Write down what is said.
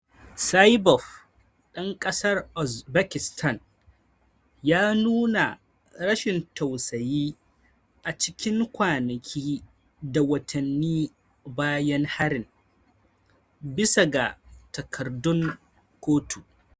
Saipov, dan kasar Uzbekistan, ya nuna rashin tausayi a cikin kwanaki da watanni bayan harin, bisa ga takardun kotu.